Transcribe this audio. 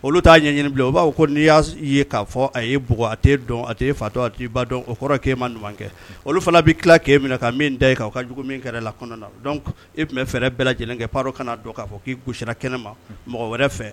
Olu'a ɲɛɲini bilen u b'a ko n'i y'aa aug a fa a dɔn o kɔrɔ ke ma kɛ olu fana bɛ tila ke min ka min da ka jugu min kɛra la kɔnɔna na e tun bɛ bɛɛ lajɛlen kɛa kana dɔn k'a fɔ k'i gsira kɛnɛ ma mɔgɔ wɛrɛ fɛ